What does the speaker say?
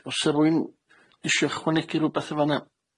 O's 'a r'wun isio ychwanegu rwbeth yn fan'na?